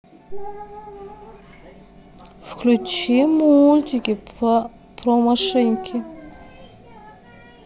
включи мультик про машинки